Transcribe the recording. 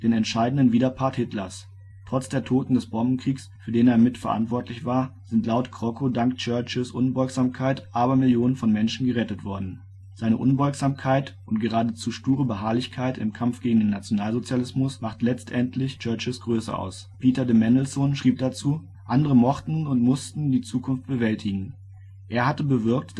entscheidenden Widerpart Hitlers. Trotz der Toten des Bombenkriegs, für den er mit verantwortlich war, sind laut Krockow " dank Churchills Unbeugsamkeit Abermillionen von Menschen gerettet worden. " Seine Unbeugsamkeit und geradezu sture Beharrlichkeit im Kampf gegen den Nationalsozialismus macht letztendlich Churchills Größe aus. Peter de Mendelssohn schrieb dazu: " Andere mochten und mussten die Zukunft bewältigen. Er hatte bewirkt